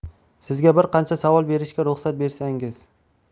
sizga bir qancha savol berishga ruxsat bersangiz